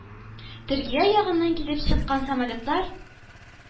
Төркия ягыннан килеп чыккан самолетлар